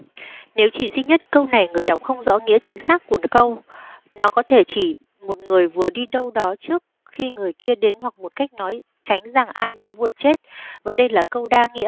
nếu chỉ duy nhất câu này người đọc không rõ nghĩa chính xác của câu nó có thể chỉ một người vừa đi đâu đó trước khi người kia đến hoặc một cách nói tránh rằng ai đó vừa chết vậy đây là câu đa nghĩa